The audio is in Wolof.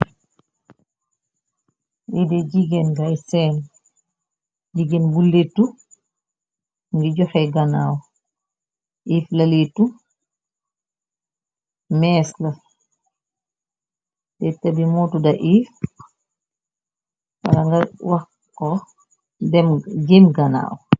Lide én ngay seen jigeen bu letu ngi joxe ganaaw if laleetu meesla te tabi mootu da if wara nga waxko jéem ganaaw.